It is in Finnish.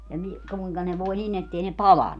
ja niin kuinka ne voi niin että ei ne palanut